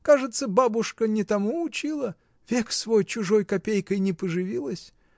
Кажется, бабушка не тому учила; век свой чужой копейкой не поживилась.